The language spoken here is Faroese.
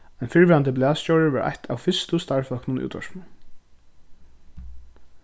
ein fyrrverandi blaðstjóri var eitt av fyrstu starvsfólkunum í útvarpinum